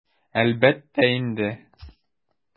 Әлбәттә инде!